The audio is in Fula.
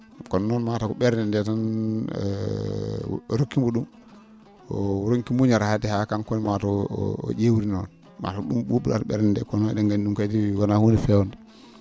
kono noon mataw ?ernde nde tan rokki mbo ?um o ronki muñoraade haa kanko ne mataw o ?eewri noon mataw ?um ?uu?nata ?ernde ndee kono noon e?en nganndi ?um kadi wonaa huunde feewnde